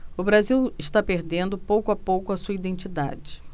o brasil está perdendo pouco a pouco a sua identidade